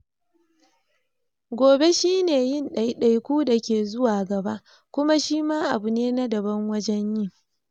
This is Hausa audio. Gobe shi ne yin daidaiku da ke zuwa gaba, kuma shima abu ne na daban wajen yi.